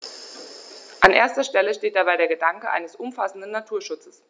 An erster Stelle steht dabei der Gedanke eines umfassenden Naturschutzes.